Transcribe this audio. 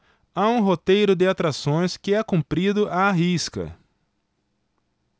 há um roteiro de atrações que é cumprido à risca